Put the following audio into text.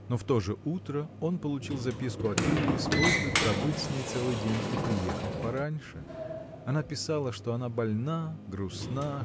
но в то же утро он получил записку от Юлии с просьбой пробыть с ней целый день и приехать пораньше. Она писала что она больна грустна